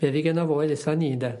be fy' genna fo i daetho ni 'nde?